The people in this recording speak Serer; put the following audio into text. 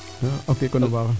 ok kon a faaxa